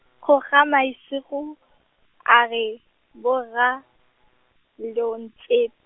Kgogamasigo, a re, borra, lo ntshepe.